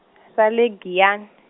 ra le Giyani.